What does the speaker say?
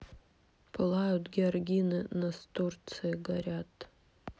пылают георгины настурции горят